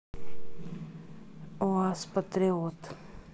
уаз патриот